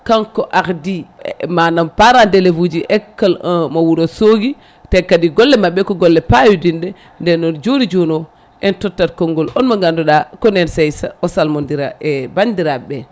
kanko ardi manam parents d' éléves uji école 1 mo Wourossogui te kadi golle mabɓe ko golle payodinɗe nden noon joni joni o en tottat konngol on mo ganduɗa ko nen Seysa o salmodira e bandiraɓe